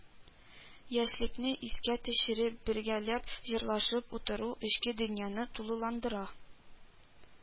Яшьлекне искә төшереп, бергәләп җырлашып утыру эчке дөньяны тулыландыра